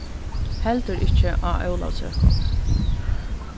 heldur ikki á ólavsøku